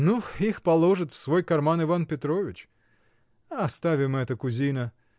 — Ну, их положит в свой карман Иван Петрович. Оставим это, кузина.